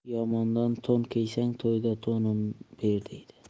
yomondan to'n kiysang to'yda to'nim ber deydi